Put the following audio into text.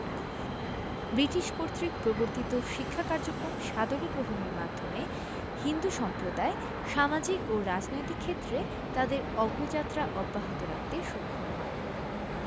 British কর্তৃক প্রবর্তিত শিক্ষা কার্যক্রম সাদরে গ্রহণের মাধ্যমে হিন্দু সম্প্রদায় সামাজিক ও রাজনৈতিক ক্ষেত্রে তাদের অগ্রযাত্রা অব্যাহত রাখতে সক্ষম হয়